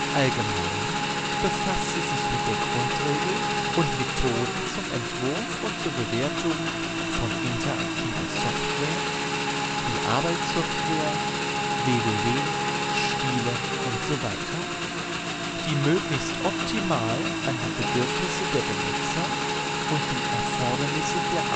Allgemein befasst sie sich mit Grundregeln und Methoden zum Entwurf und zur Bewertung von interaktiver Software (wie Arbeitssoftware, WWW, Spiele usw.), die möglichst optimal an die Bedürfnisse der Benutzer (Benutzerorientierung) und die Erfordernisse der Arbeitsaufgabe